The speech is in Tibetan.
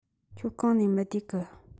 ཁྱོད གང ནས མི བདེ གི